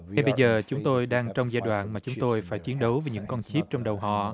ngay bây giờ chúng tôi đang trong giai đoạn mà chúng tôi phải chiến đấu với những con chíp trong đầu họ